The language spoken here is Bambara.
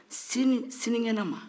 sini sinikɛnɛ ma